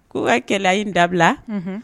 Ko bɛ kɛlɛ i dabila